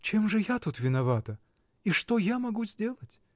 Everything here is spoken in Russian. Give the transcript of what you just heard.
— Чем же я тут виновата и что я могу сделать?